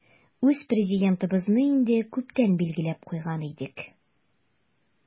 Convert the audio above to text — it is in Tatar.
Үз Президентыбызны инде күптән билгеләп куйган идек.